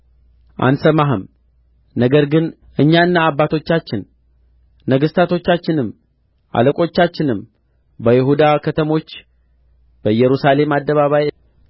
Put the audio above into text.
አንሰማህም ነገር ግን እኛና አባቶቻችን ነገሥታቶቻችንም አለቆቻችንም በይሁዳ ከተሞች በኢየሩሳሌም አደባባይ